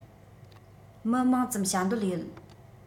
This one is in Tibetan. མི མང ཙམ བྱ འདོད ཡོད